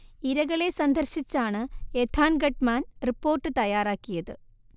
ഇരകളെ സന്ദർശിച്ചാണ് Ethan Gutmann report തയാറാക്കിയത്